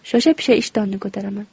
shosha pisha ishtonni ko'taraman